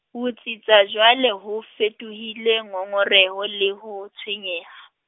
ho tsitsa jwale ho fetohile ngongoreho le ho tshwenyeha.